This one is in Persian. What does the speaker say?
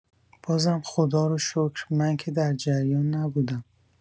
بازم خداروشکر من که در جریان نبودم.